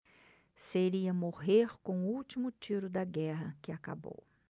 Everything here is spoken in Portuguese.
seria morrer com o último tiro da guerra que acabou